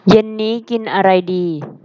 เย็นนี้กินอะไรดี